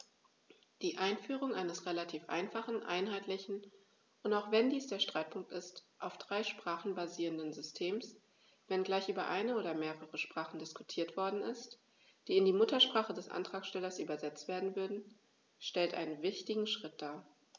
Die Einführung eines relativ einfachen, einheitlichen und - auch wenn dies der Streitpunkt ist - auf drei Sprachen basierenden Systems, wenngleich über eine oder mehrere Sprachen diskutiert worden ist, die in die Muttersprache des Antragstellers übersetzt werden würden, stellt einen wichtigen Schritt dar.